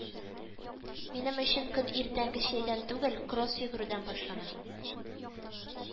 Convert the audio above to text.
Минем өчен көн иртәнге чәйдән түгел, кросс йөгерүдән башлана